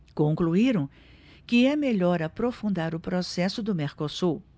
concluíram que é melhor aprofundar o processo do mercosul